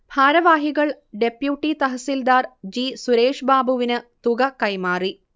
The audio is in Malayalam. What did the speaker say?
ഭാരവാഹികൾ ഡെപ്യൂട്ടി തഹസിൽദാർ ജി. സുരേഷ്ബാബുവിന് തുക കൈമാറി